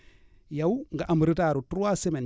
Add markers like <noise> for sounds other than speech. <breath> yow nga am retard trois semaines